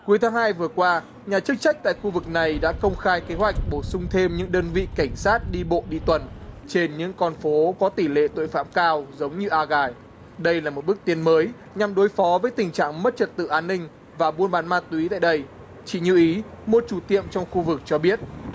cuối tháng hai vừa qua nhà chức trách tại khu vực này đã công khai kế hoạch bổ sung thêm những đơn vị cảnh sát đi bộ đi tuần trên những con phố có tỷ lệ tội phạm cao giống như a gai đây là một bước tiến mới nhằm đối phó với tình trạng mất trật tự an ninh và buôn bán ma túy tại đây chị như ý một chủ tiệm trong khu vực cho biết